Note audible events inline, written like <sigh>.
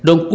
<breath> <hesitation> <hesitation>